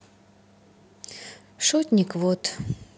шотник вот